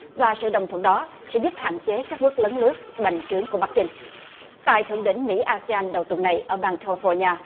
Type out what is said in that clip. và sự đồng thuận đó sẽ giúp hạn chế các mức lấn lướt bành trướng của bắc kinh tại thượng đỉnh mỹ a xi an đầu tuần này ở bang ca pho ni a